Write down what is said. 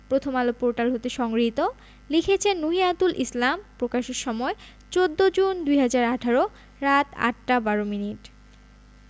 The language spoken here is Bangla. প্রথমআলো পোর্টাল হতে সংগৃহীত লিখেছেন নুহিয়াতুল ইসলাম প্রকাশের সময় ১৪জুন ২০১৮ রাত ৮টা ১২ মিনিট